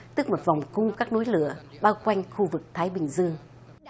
tức một vòng cung các núi lửa bao quanh khu vực thái bình dương